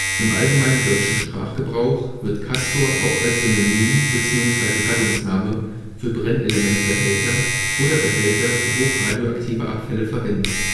Im allgemeinen deutschen Sprachgebrauch wird „ Castor “auch als Synonym bzw. Gattungsname für Brennelementbehälter oder Behälter für hochradioaktive Abfälle verwendet